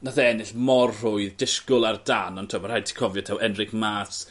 nath e ennill mor rhwydd disgwl ar dân ond t'od ma' rhaid ti cofio taw Enric Mas...